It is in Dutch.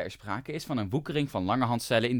sprake is van een woekering van langerhanscellen